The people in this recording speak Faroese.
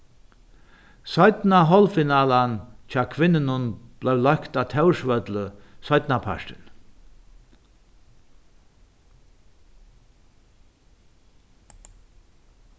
seinna hálvfinalan hjá kvinnunum bleiv leikt á tórsvølli seinnapartin